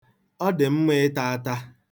Ọ dị mma ịta ata.